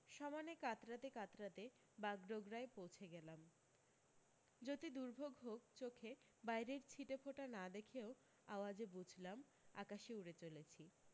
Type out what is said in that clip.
সমানে কাতরাতে কাতরাতে বাগডগরায় পৌঁছে গেলাম যতি দুর্ভোগ হোক চোখে বাইরের ছিটেফোঁটা না দেখেও আওয়াজে বুঝলাম আকাশে উড়ে চলেছি